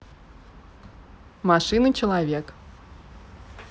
машины человек